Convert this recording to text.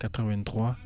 83